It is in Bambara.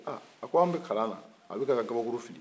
ko an bɛ kalan na a bɛ ka gabakuru fili